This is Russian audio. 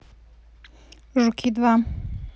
жуки два